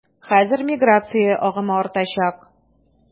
Хәзер миграция агымы артачак.